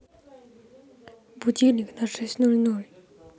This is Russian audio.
будильник на шесть ноль ноль